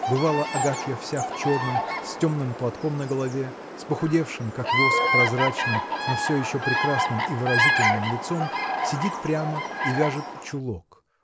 Бывало, Агафья, вся в черном, с темным платком на голове, с похудевшим, как воск прозрачным, но все еще прекрасным и выразительным лицом, сидит прямо и вяжет чулок